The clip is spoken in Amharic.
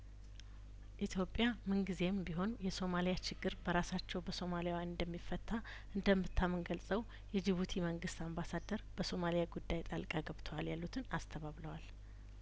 ኢትዮጵያምን ጊዜም ቢሆን የሶማሊያ ችግር በራሳቸው በሶማሊያውያን እንደሚፈታ እንደምታምን ገልጸው የጅቡቲ መንግስት አምባሳደር በሶማሊያ ጉዳይ ጣልቃ ገብተዋል ያሉትን አስተባብለዋል